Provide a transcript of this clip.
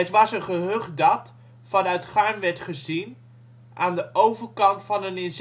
was een gehucht dat, vanuit Garnwerd gezien, aan de overkant van een in